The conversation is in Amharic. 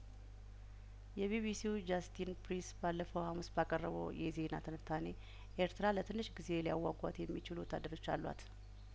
የቢቢሲው ጃስቲን ፕሪስ ባለፈው ሀሙስ ባቀረበው የዜና ትንታኔ ኤርትራ ለትንሽ ጊዜ ሊያዋ ጓት የሚችሉ ወታደሮች አሏት